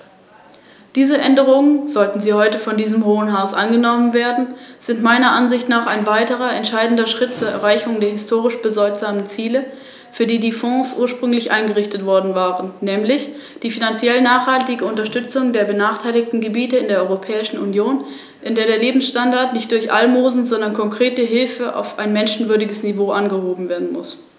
Angesichts der jüngsten Naturkatastrophen möchte ich doch noch auf die Verwendung der Strukturfondsmittel eingehen.